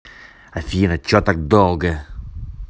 афина что так долго